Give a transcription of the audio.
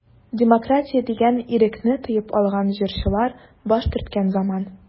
Демократия дигән ирекне тоеп алган җырчылар баш төрткән заман.